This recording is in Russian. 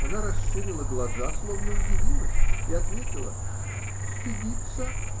Она расширила глаза, словно удивилась, и ответила: --Стыдиться?